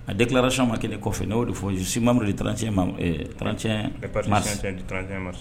A de tilalarasi ma kelen kɔfɛ n'o fɔsi mamuruc trancc